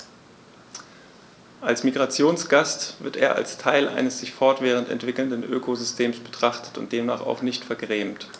Als Migrationsgast wird er als Teil eines sich fortwährend entwickelnden Ökosystems betrachtet und demnach auch nicht vergrämt.